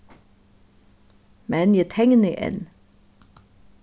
men eg tekni enn